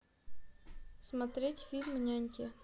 смотреть фильм няньки